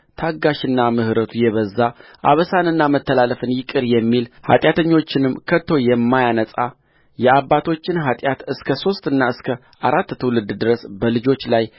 ታጋሽና ምሕረቱ የበዛ አበሳንና መተላለፍን ይቅር የሚል ኃጢአተኞችንም ከቶ የማያነጻ የአባቶችን ኃጢአት እስከ ሦስትና እስከ አራት ትውልድ ድረስ በልጆች ላይ